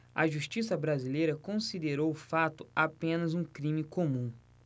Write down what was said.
a justiça brasileira considerou o fato apenas um crime comum